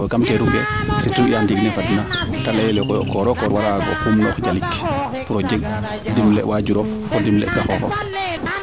a ngeneyo o soɓ a ndefoyo ka teeru fee to i ande me fadna te leyele o kooro kooro koor waara waago xum noox jalik o jek dimle wajurof dimle ka xoxof